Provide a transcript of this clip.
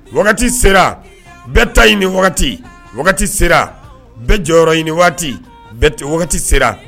Wagati sera, bɛɛ ta ɲini wagati, wagati sera bɛɛ jɔyɔrɔ ɲini, wagati sera